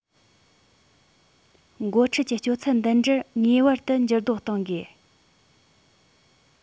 འགོ ཁྲིད ཀྱི སྤྱོད ཚུལ འདི འདྲར ངེས པར དུ འགྱུར ལྡོག གཏོང དགོས